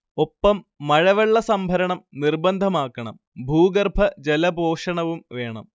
ഒപ്പം മഴവെള്ള സംഭരണം നിർബന്ധമാക്കണം ഭൂഗർഭജലപോഷണവും വേണം